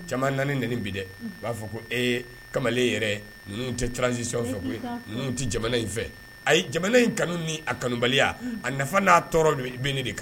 Jamana naani n bi dɛ u b'a fɔ ko e ye kamalen yɛrɛ tɛ transi fɛ tɛ jamana in fɛ a ye jamana in kanu ni a kanubaliya a nafa n'a tɔɔrɔ don bɛ ne de kan